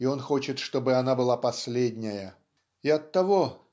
и он хочет чтобы она была последняя. И оттого